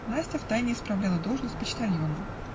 Настя втайне исправляла должность почтальона.